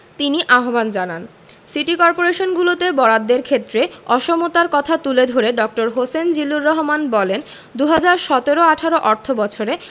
তিনি আহ্বান জানান সিটি করপোরেশনগুলোতে বরাদ্দের ক্ষেত্রে অসমতার কথা তুলে ধরে ড. হোসেন জিল্লুর রহমান বলেন ২০১৭ ১৮ অর্থবছরে